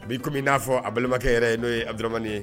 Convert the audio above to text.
Bii komi min n'a fɔ a balimakɛ yɛrɛ ye n'o yeduramani ye